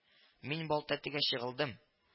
Мин балта тигәч егылдым